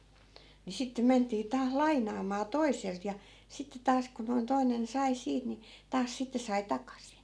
niin sitten mentiin taas lainaamaan toiselta ja sitten taas kun noin toinen sai siitä niin taas sitten sai takaisin